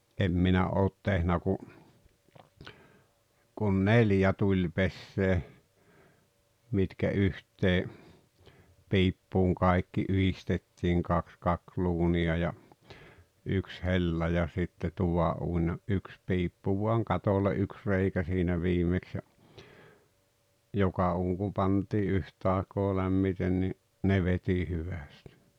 en minä ole tehnyt kuin kuin neljä tulipesää mitkä yhteen piippuun kaikki yhdistettiin kaksi kakluunia ja yksi hella ja sitten tuvan uuni ja yksi piippu vain katolle yksi reikä siinä viimeksi ja joka uuni kun pantiin yhtä aikaa lämmiten niin ne veti hyvästi